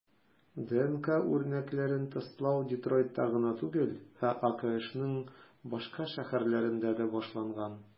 ДНК үрнәкләрен тестлау Детройтта гына түгел, ә АКШның башка шәһәрләрендә дә башланган.